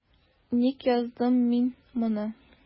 Ник яздым мин моны?